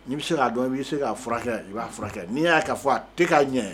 Ni bɛ se k'a dɔn i bɛ se i b'a furakɛ n'i y'a ka fɔ a tɛ k'a ɲɛ